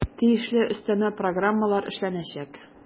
Тиешле өстәмә программалар эшләнәчәк.